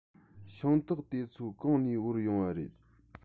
ཤིང ཏོག དེ ཚོ གང ནས དབོར ཡོང བ རེད